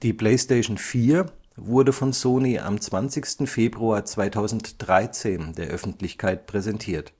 PlayStation 4 wurde von Sony am 20. Februar 2013 der Öffentlichkeit präsentiert